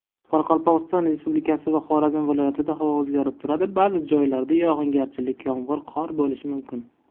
qoraqalpog'iston respublikasi va xorazm viloyatida havo o'zgarib turadi ba'zi joylarda yog'ingarchilik yomg'ir qor bo'lishi mumkin